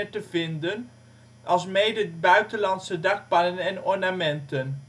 te vinden, alsmede buitenlandse dakpannen en ornamenten